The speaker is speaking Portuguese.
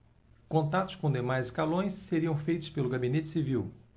contatos com demais escalões seriam feitos pelo gabinete civil